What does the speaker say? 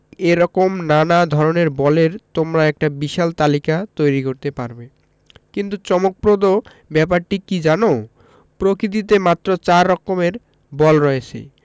এ রকম নানা ধরনের বলের তোমরা একটা বিশাল তালিকা তৈরি করতে পারবে কিন্তু চমকপ্রদ ব্যাপারটি কী জানো প্রকৃতিতে মাত্র চার রকমের বল রয়েছে